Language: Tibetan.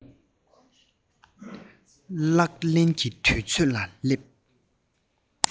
རྒྱུགས ལེན གྱི དུས ཚོད ལ སླེབས